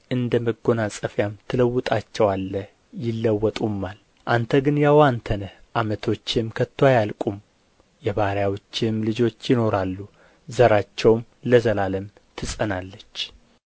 እንደ መጐናጸፊያም ትለውጣቸዋለህ ይለወጡማል አንተ ግን ያው አንተ ነህ ዓመቶችህም ከቶ አያልቁም የባሪያዎችህም ልጆች ይኖራሉ ዘራቸውም ለዘላለም ትጸናለች